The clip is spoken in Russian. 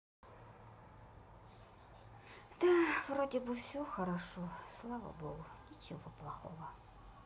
да вроде бы все хорошо слава богу ничего плохого